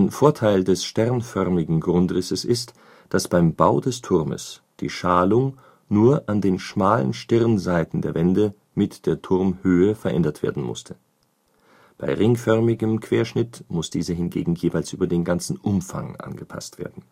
Vorteil des sternförmigen Grundrisses ist, dass beim Bau des Turmes die Schalung nur an den schmalen Stirnseiten der Wände mit der Turmhöhe verändert werden musste. Bei ringförmigem Querschnitt muss diese hingegen jeweils über den ganzen Umfang angepasst werden